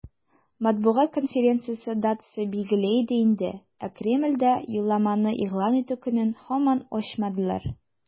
Матбугат конференциясе датасы билгеле иде инде, ә Кремльдә юлламаны игълан итү көнен һаман ачмадылар.